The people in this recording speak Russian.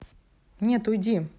нет уйди